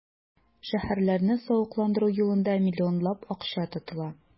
Шәһәрләрне савыкландыру юлында миллионлап акча тотыла.